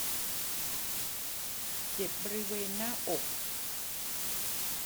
เจ็บบริเวณหน้าอก